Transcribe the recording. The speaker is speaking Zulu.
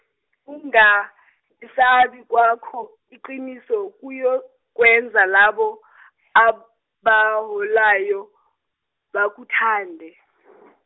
ukungalesabi kwakho iqiniso kuyokwenza labo abaholayo bakuthande .